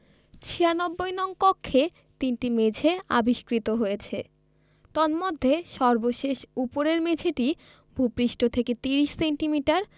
৯৬ নং কক্ষে তিনটি মেঝে আবিষ্কৃত হয়েছে তন্মধ্যে সর্বশেষ উপরের মেঝেটি ভূপৃষ্ঠ থেকে ৩০ সেন্টিমিটার